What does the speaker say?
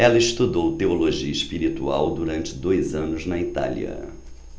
ela estudou teologia espiritual durante dois anos na itália